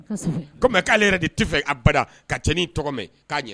Ko Mais kale yɛrɛ de ti fɛ abada ka cɛnnin tɔgɔ mɛn